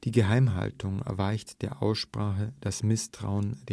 Geheimhaltung weicht der Aussprache, das Misstrauen